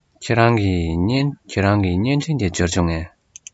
ཁྱེད རང གི བརྙན འཕྲིན དེ འབྱོར བྱུང ངས